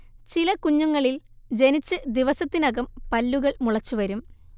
ചില കുഞ്ഞുങ്ങളിൽ ജനിച്ച് ദിവസത്തിനകം പല്ലുകൾ മുളച്ചുവരും